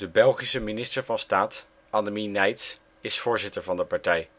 Belgische minister van Staat Annemie Neyts is voorzitter van de partij